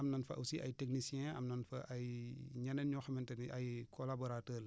am nan fa aussi ay techniciens am nan fa ay ñeneen ñoo xamante ne ay collaborateurs la ñu